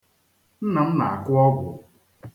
Nna m na-akụ ọgwụ